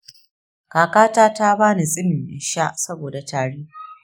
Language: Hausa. kakata ta ba ni tsumin in sha saboda tari.